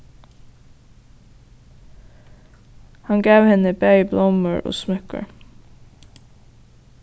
hann gav henni bæði blómur og smúkkur